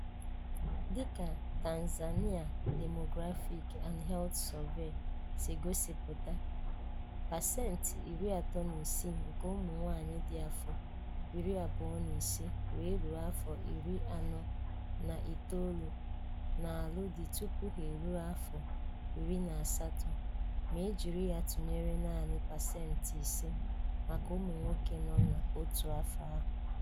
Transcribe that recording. Dị ka Tanzania Demographic and Health Survey (TDHS) si gosipụta, pasentị 36 nke ụmụ nwaanyị dị afọ 25-49 na-alụ di tupu ha eruo afọ 18 ma e jiri ya tụnyere naanị pasentị 5 maka ụmụ nwoke nọ otu afọ ahụ.